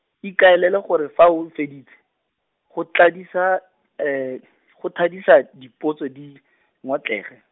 ikaelele gore fa o feditse, go tladisa, go thadisa dipotso di, ngotlege.